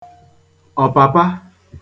ọ̀pàpa